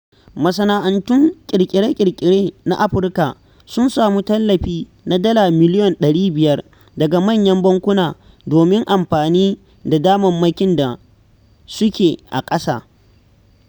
Masana’antun ƙirƙire-ƙirƙire na Afirka sun samu tallafi na Dala miliyon ɗari biyar daga manyan bankuna domin amfani da damammakin da suke a ƙasa.